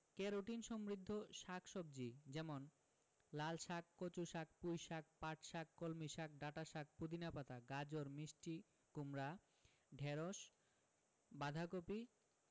carotene সমৃদ্ধ শাক সবজি যেমন লালশাক কচুশাক পুঁইশাক পাটশাক কলমিশাক ডাঁটাশাক পুদিনা পাতা গাজর মিষ্টি কুমড়া ঢেঁড়স বাঁধাকপি